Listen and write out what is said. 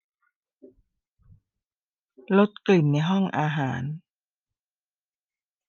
ลดกลิ่นในห้องอาหาร